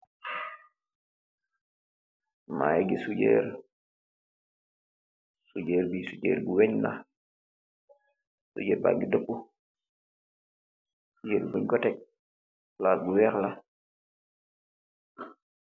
Mangeh kess sikerr , sikerr bi , sikerr li wagg laah , sikerr mba keh dobuh fug kooh teek palass bu weeh la.